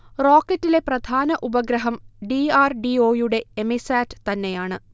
റോക്കറ്റിലെ പ്രധാന ഉപഗ്രഹം D. R. D. O. യുടെ എമിസാറ്റ് തന്നെയാണ്